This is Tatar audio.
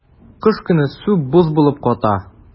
Кыш көне су боз булып ката.